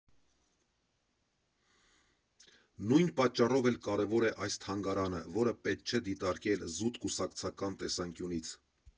Նույն պատճառով էլ կարևոր է այս թանգարանը, որը պետք չէ դիտարկել զուտ կուսակցական տեսանկյունից։